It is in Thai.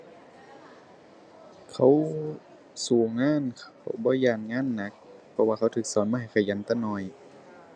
เขาสู้งาน เขาบ่ย้านงานหนัก เพราะว่าเขาถูกสอนมาให้ขยันแต่น้อย